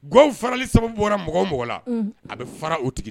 Guwaw farali sababu bɔra mɔgɔw o mɔgɔ la a bɛ fara o tigi